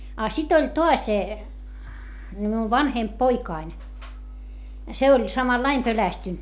a sitten oli taas niin minun vanhempi poikani se oli samalla lailla pelästynyt